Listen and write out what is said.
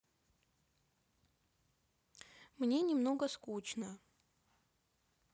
мне немного скучно